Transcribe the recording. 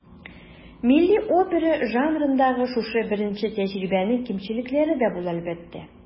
Милли опера жанрындагы шушы беренче тәҗрибәнең кимчелекләре дә була, әлбәттә.